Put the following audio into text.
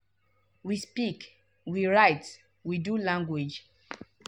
We speak, we write, we do language.